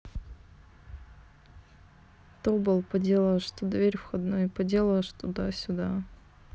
тобол поделаешь что дверь входной поделаешь туда сюда